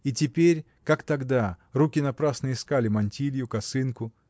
И теперь, как тогда, руки напрасно искали мантилью, косынку.